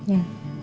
dạ